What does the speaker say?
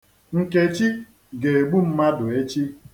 Nkechi ga-egbu mmadụ echi.